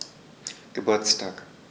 Geburtstag